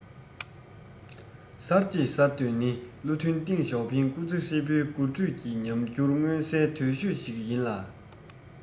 གསར འབྱེད གསར གཏོད ནི བློ མཐུན ཏེང ཞའོ ཕིང སྐུ ཚེ ཧྲིལ པོའི འགོ ཁྲིད ཀྱི ཉམས འགྱུར མངོན གསལ དོད ཤོས ཤིག ཡིན ལ